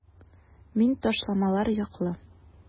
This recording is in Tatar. Мин ташламалар яклы.